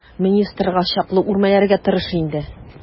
Министрга чаклы үрмәләргә тырыш инде.